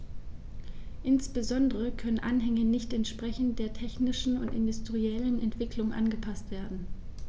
Insbesondere können Anhänge nicht entsprechend der technischen und industriellen Entwicklung angepaßt werden.